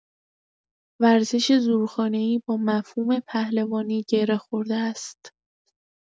ورزش زورخانه‌ای با مفهوم پهلوانی گره خورده است.